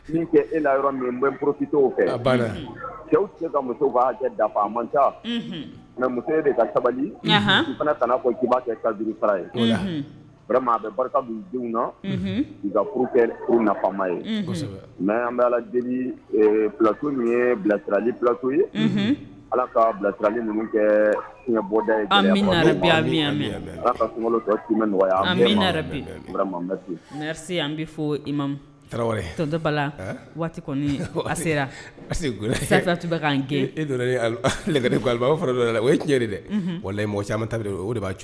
B mɛ sabali kanaa fɔ denw bɛtu min ye bilalitu ye ala k ka bilaturali numu kɛ bɔda nɔgɔya an bɛ fɔ i mafa waati sera parce sa kɛ e dɔɛrɛ fara o ye tiɲɛ yɛrɛ dɛ o ta o de